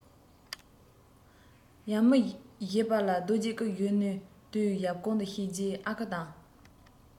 བག མེད མཛད ཚུལ གྱིས ཡུལ གྱི རྒྱལ པོ ཤེས པ འབར ཏེ ཕོ ཉ བ འགུགས སུ བཤམས པ ཙམ གྱིས རྒྱལ པོའི བསོད ནམས དང